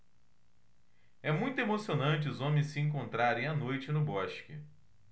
é muito emocionante os homens se encontrarem à noite no bosque